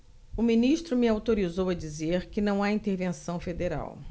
o ministro me autorizou a dizer que não há intervenção federal